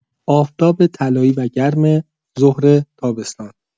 آفتاب طلایی و گرم ظهر تابستان